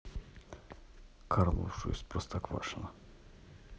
карлуша из простоквашино